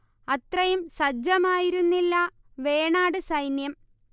അത്രയും സജ്ജമായിരുന്നില്ല വേണാട് സൈന്യം